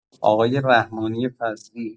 آقای رحمانی فضلی